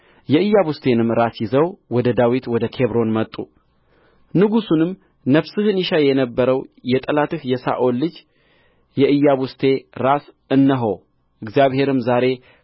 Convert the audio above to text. የኢያቡስቴንም ራስ ይዘው ወደ ዳዊት ወደ ኬብሮን መጡ ንጉሡንም ነፍስህን ይሻ የነበረው የጠላትህ የሳኦል ልጅ የኢያቡስቴ ራስ እነሆ እግዚአብሔርም ዛሬ